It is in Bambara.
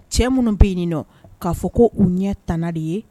Cɛ munnu be ye nin nɔ k'a fɔ ko u ɲɛ tana de ye